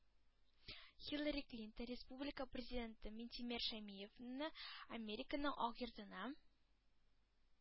Хиллари Клинтон республика Президенты Минтимер Шәймиевне Американың Ак йортына,